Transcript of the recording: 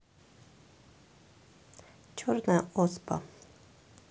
черная оспа